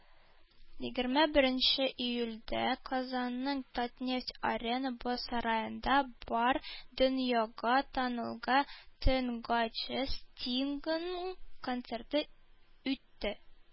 Егерме беренче июльдә Казанның "Татнефть-Арена" боз сараенда бар дөньяга танылган сәнгатьче Стингның концерты үтте.